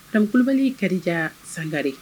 Tabali karija sangare